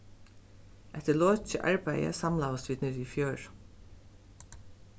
eftir lokið arbeiði samlaðust vit niðri í fjøru